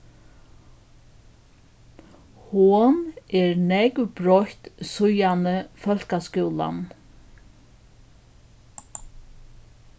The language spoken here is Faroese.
hon er nógv broytt síðani fólkaskúlan